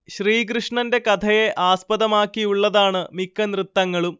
ശ്രീകൃഷ്ണന്റെ കഥയെ ആസ്പദമാക്കിയുള്ളതാണ് മിക്ക നൃത്തങ്ങളും